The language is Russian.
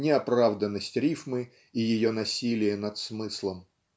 неоправданность рифмы и ее насилие над смыслом.